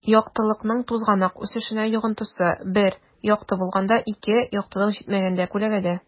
Яктылыкның тузганак үсешенә йогынтысы: 1 - якты булганда; 2 - яктылык җитмәгәндә (күләгәдә)